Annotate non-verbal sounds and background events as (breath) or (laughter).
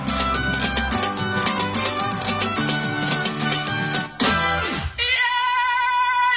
est ce am na (hesitation) difféents suuf yoo xamante ne ni (breath) dañ ciy conseillé ñi nga xamante ne ñoom ñooy producteurs yi (noise)